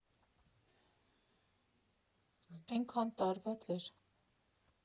Էնքան տարվա՜ծ էր…